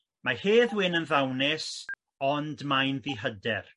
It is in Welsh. Ma' Hedd Wyn yn ddawnus ond mae'n ddihyder